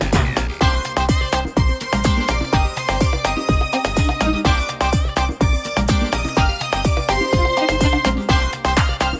music